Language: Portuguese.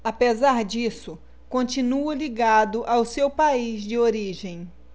apesar disso continua ligado ao seu país de origem